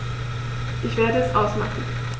Ich werde es ausmachen